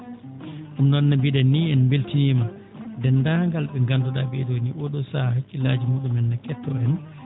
Ɗum noon no mbiiɗen nii en mbeltaniima deenndaangal ɓe ngannduɗaa ɓeeɗoo nii oo ɗoo sahaa hakkillaaji muuɗumen ne kettoo en